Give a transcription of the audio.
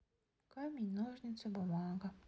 камень ножницы бумага